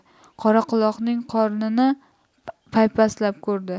qoraquloqning qornini paypaslab ko'rdi